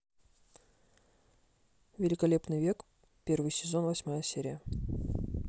великолепный век первый сезон восьмая серия